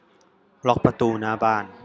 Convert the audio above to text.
ล็อคประตูหน้าบ้าน